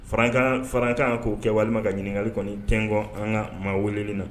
Farankan farankan k'o kɛ walima ka ɲininkali kɔni tingɔ an ka maa wele na.